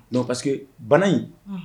O parce que bana in